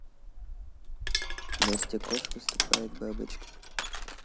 настя кош выступает бабочка